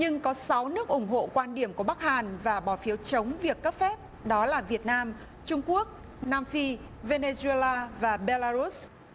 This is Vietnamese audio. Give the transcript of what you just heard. nhưng có sáu nước ủng hộ quan điểm của bắc hàn và bỏ phiếu chống việc cấp phép đó là việt nam trung quốc nam phi vê nê dê la và be la rút